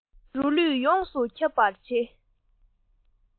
རོ ལུས ཡོངས སུ ཁྱབ པར བྱེད